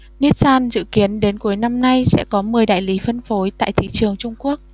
nissan dự kiến đến cuối năm nay sẽ có mười đại lý phân phối tại thị trường trung quốc